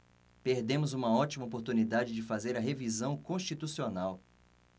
perdemos uma ótima oportunidade de fazer a revisão constitucional